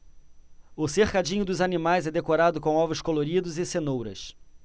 o cercadinho dos animais é decorado com ovos coloridos e cenouras